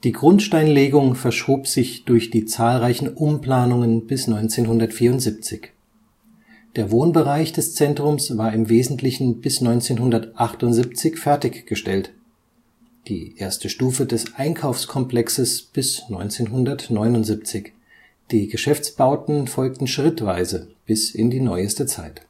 Grundsteinlegung verschob sich durch die zahlreichen Umplanungen bis 1974. Der Wohnbereich des Zentrums war im Wesentlichen bis 1978 fertiggestellt, die erste Stufe des Einkaufskomplexes bis 1979 (Erweiterung 1989), die Geschäftsbauten folgten schrittweise bis in die neueste Zeit